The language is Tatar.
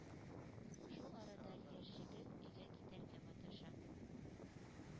Шул арада яшь Җегет өйгә китәргә маташа.